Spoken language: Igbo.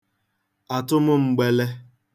àtụmgbēlē